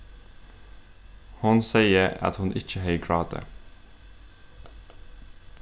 hon segði at hon ikki hevði grátið